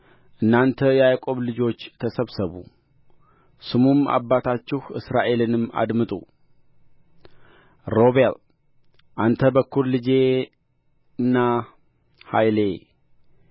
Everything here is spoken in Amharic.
እናንት የያዕቆብ ልጆች ተሰብሰቡ ስሙም አባታችሁ እስራኤልንም አድምጡ ሮቤል አንተ በኵር ልጄና ኃይሌ